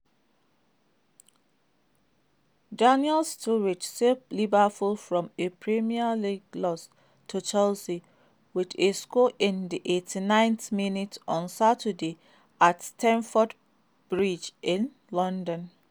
Daniel Sturridge saved Liverpool from a Premier League loss to Chelsea with a score in the 89th minute on Saturday at Stamford Bridge in London.